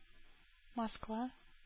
Москва